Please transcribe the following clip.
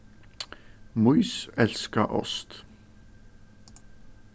mýs elska ost